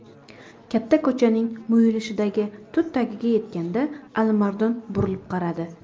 katta ko'chaning muyulishidagi tut tagiga yetganda alimardon burilib qaradi